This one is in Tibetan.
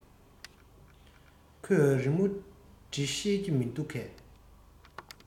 ཁོས རི མོ འབྲི ཤེས ཀྱི མིན འདུག གས